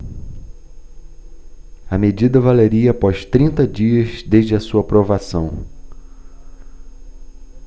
a medida valeria após trinta dias desde a sua aprovação